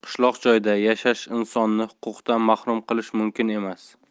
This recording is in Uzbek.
qishloq joyda yashash insonni huquqdan mahrum qilishi mumkin emas